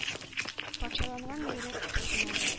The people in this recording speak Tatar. Парчаланган йөрәк түзмәде.